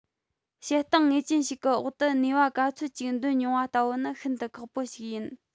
བྱེད སྟངས ངེས ཅན ཞིག གི འོག ཏུ ནུས པ ག ཚོད ཅིག འདོན མྱོང བ ལྟ བུ ནི ཤིན ཏུ ཁག པོ ཞིག ཡིན